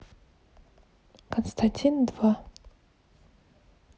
константин два